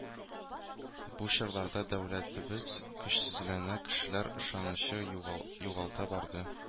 Бу чорларда дәүләтебез көчсезләнә, кешеләр ышанычын югалта барды.